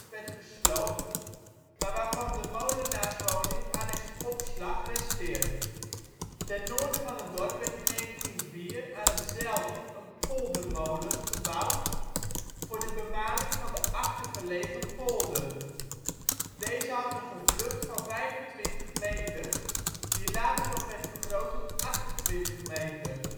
werd gesloopt, maar waarvan de molenaarswoning anex opslag resteert (Brugstraat 11). Ten noorden van het dorp werd in 1904 aan het Zijldiep een poldermolen (grondzeiler) gebouwd voor de bemaling van de achtergelegen polder. Deze had een gevlucht van 25 meter die later nog werd vergroot tot 28 meter